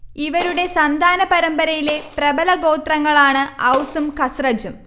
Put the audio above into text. ഇവരുടെ സന്താന പരമ്പരയിലെ പ്രബല ഗോത്രങ്ങളാണ് ഔസും ഖസ്റജും